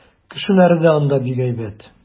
Кешеләре дә анда бик әйбәт.